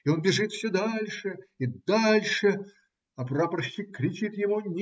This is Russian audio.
И он бежит все дальше и дальше, а прапорщик кричит ему